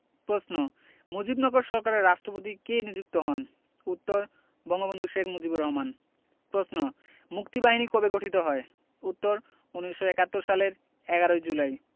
প্রশ্ন মুজিবনগর সরকারের রাষ্ট্রপতি কে নিযুক্ত হন উত্তর বঙ্গবন্ধু শেখ মুজিবুর রহমান প্রশ্ন মুক্তিবাহিনী কবে গঠিত হয় উত্তর ১৯৭১ সালের ১১ জুলাই